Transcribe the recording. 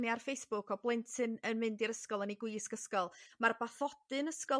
llunia' a'r Facebook o blentyn yn mynd i'r ysgol yn ei gwisg ysgol ma'r bathodyn ysgol